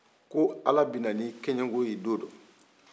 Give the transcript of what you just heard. ko ala bena n'i kɛɲɛn ko ye doo dɔla